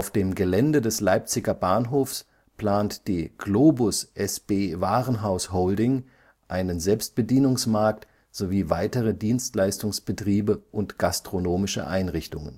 dem Gelände des Leipziger Bahnhofs plant die Globus SB-Warenhaus Holding einen SB-Markt sowie weitere Dienstleistungsbetriebe und gastronomische Einrichtungen